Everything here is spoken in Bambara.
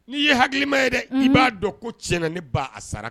N'i ye ha ma ye dɛ i b'a dɔn ko tiɲɛna ne ba a sara